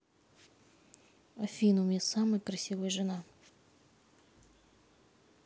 афина у меня самая красивая жена